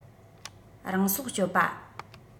རང སྲོག གཅོད པ